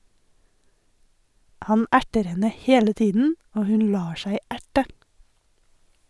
Han erter henne hele tiden og hun lar seg erte.